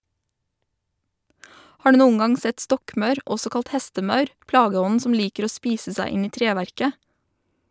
Har du noen gang sett stokkmaur, også kalt hestemaur , plageånden som liker å spise seg inn i treverket?